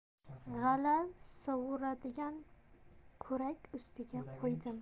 g'alla sovuradigan kurak ustiga qo'ydim